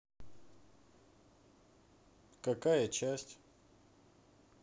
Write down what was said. какая часть